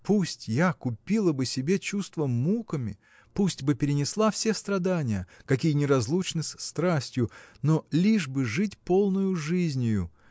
пусть я купила бы себе чувство муками пусть бы перенесла все страдания какие неразлучны с страстью но лишь бы жить полною жизнию